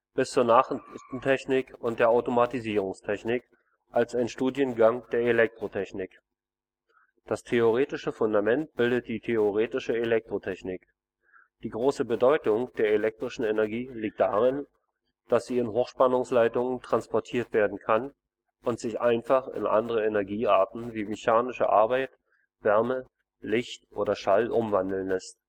bis zur Nachrichtentechnik und der Automatisierungstechnik als ein Studiengang der Elektrotechnik. Das theoretische Fundament bildet die theoretische Elektrotechnik. Die große Bedeutung der elektrischen Energie liegt darin, dass sie in Hochspannungsleitungen transportiert werden kann und sich einfach in andere Energiearten wie mechanische Arbeit, Wärme, Licht oder Schall umwandeln lässt